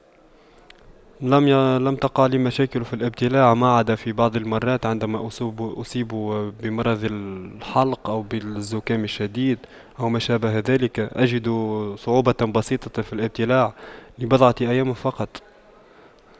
لم تقع لي مشاكل في الابتلاع ما عدا في بعض المرات عندما اصوب أصيب بمرض الحلق أو بالزكام الشديد أو ما شابه ذلك أجد صعوبة بسيطة في الابتلاع لبضعة أيام فقط